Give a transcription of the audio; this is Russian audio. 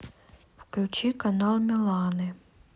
включи канал миланы